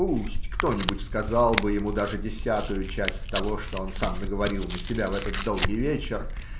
Пусть кто-нибудь сказал бы ему даже десятую часть того, что он сам наговорил на себя в этот долгий вечер,